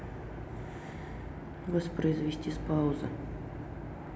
воспроизвести с паузы